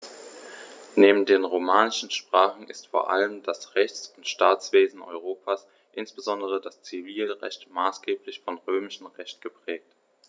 Neben den romanischen Sprachen ist vor allem das Rechts- und Staatswesen Europas, insbesondere das Zivilrecht, maßgeblich vom Römischen Recht geprägt.